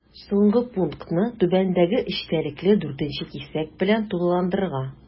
Соңгы пунктны түбәндәге эчтәлекле 4 нче кисәк белән тулыландырырга.